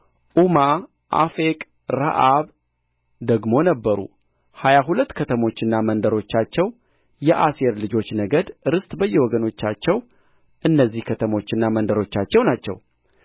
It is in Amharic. ዑማ አፌቅ ረአብ ደግሞ ነበሩ ሀያ ሁለት ከተሞችና መንደሮቻቸው የአሴር ልጆች ነገድ ርስት በየወገኖቻቸው እነዚህ ከተሞችና መንደሮቻቸው ናቸው